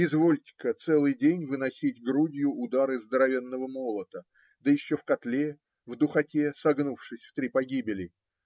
Извольте-ка целый день выносить грудью удары здоровенного молота, да еще в котле, в духоте, согнувшись в три погибели.